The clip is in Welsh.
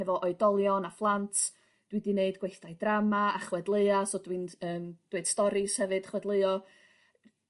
hefo oedolion a phlant dwi 'di neud gweithdai drama a chwedleua so dwi'n st- yn dweud storis hefyd chwedleuo.